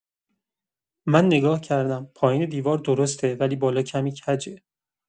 من نگاه کردم، پایین دیوار درسته ولی بالا کمی کجه.